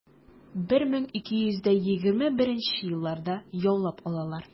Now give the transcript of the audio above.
1221 елларда яулап алалар.